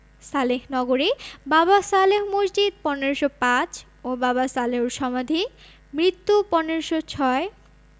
সালেহ নগরে বাবা সালেহ মসজিদ ১৫০৫ ও বাবা সালেহর সমাধি মৃত্যু ১৫০৬